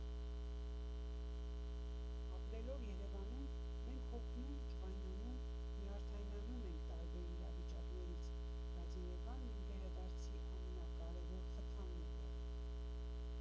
Ապրելով Երևանում՝ մենք հոգնում, ջղայնանում, նյարդայնանում ենք տարբեր իրավիճակներից, բայց Երևանն իմ վերադարձի ամենակարևոր խթանն է եղել։